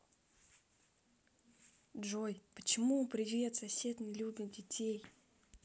джой почему привет сосед не любят детей